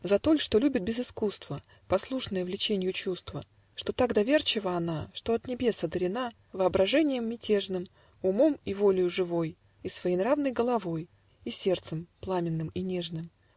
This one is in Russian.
За то ль, что любит без искусства, Послушная влеченью чувства, Что так доверчива она, Что от небес одарена Воображением мятежным, Умом и волею живой, И своенравной головой, И сердцем пламенным и нежным?